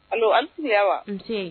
Alo a ni kile Awa . Unse